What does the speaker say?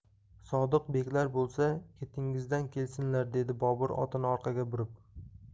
sodiq beklar bo'lsa ketingizdan kelsinlar dedi bobur otini orqaga burib